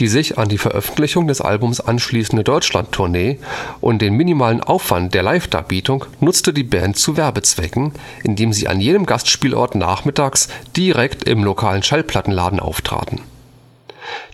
Die sich an die Veröffentlichung des Albums anschließende Deutschlandtournee und den minimalen Aufwand der Live-Darbietung nutzte die Band zu Werbezwecken, indem sie an jedem Gastspielort nachmittags direkt im lokalen Schallplattenladen auftraten.